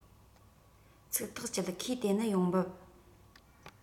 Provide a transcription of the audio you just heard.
ཚིག ཐག བཅད ཁོས དེ ནི ཡོང འབབ